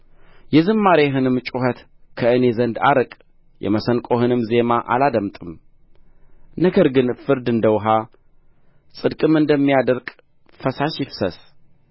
የዝማሬህንም ጩኸት ከእኔ ዘንድ አርቅ የመሰንቆህንም ዜማ አላደምጥም ነገር ግን ፍርድ እንደ ውኃ ጽድቅም እንደማይደርቅ ፈሳሽ ይፍሰስ